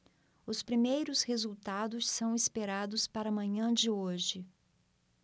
os primeiros resultados são esperados para a manhã de hoje